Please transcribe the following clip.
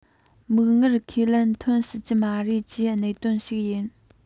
མིག སྔར ཁས ལེན ཐོན སྲིད ཀྱི མ རེད ཀྱི གནད དོན ཞིག ཡིན